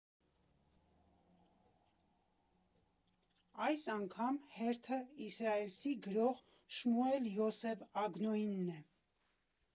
Այս անգամ հերթը իսրայելցի գրող Շմուել Յոսեֆ Ագնոնինն է։